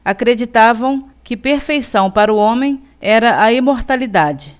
acreditavam que perfeição para o homem era a imortalidade